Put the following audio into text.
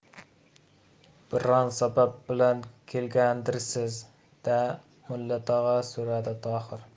biron sabab bilan kelgandirsiz da mulla tog'a so'radi tohir